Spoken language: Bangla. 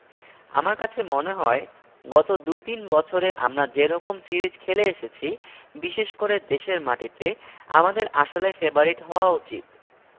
আমার কাছে মনে হয় গত দু তিন বছরে আমরা যে রকম সিরিজ খেলে এসেছি বিশেষ করে দেশের মাটিতে আমাদের আসলে ফেবারিট হওয়া উচিত